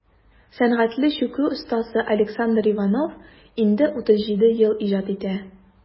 Сәнгатьле чүкү остасы Александр Иванов инде 37 ел иҗат итә.